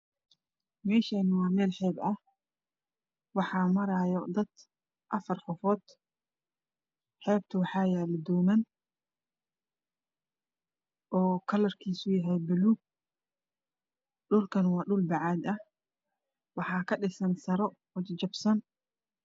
Meshani waa mel xeeb aha waxa aamrayo afar qofood xeebata waxa ayalo dooman oo kalrkiisa yahay baluug dhulkaan wa dhula bacad aha waxaa kadhisan saro oo ajajapsan